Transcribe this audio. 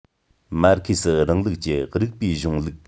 མར ཁེ སིའི རིང ལུགས ཀྱི རིགས པའི གཞུང ལུགས